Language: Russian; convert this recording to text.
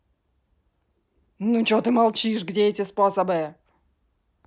ну и че ты молчишь где эти способы